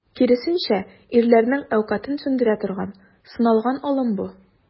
Киресенчә, ирләрнең әүкатен сүндерә торган, сыналган алым бу.